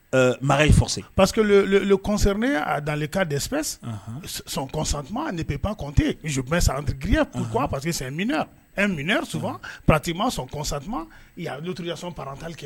Makan pas queri ne ye'a dalen ka dɛsɛp sonsantuma ani pepk kɔnte z bɛ san anya kun ko pa que ɛ minɛ su pate ma sɔnsantuma duur sɔn pateli kɛ